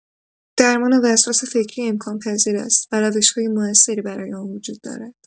درمان وسواس فکری امکان‌پذیر است و روش‌های مؤثری برای آن وجود دارد.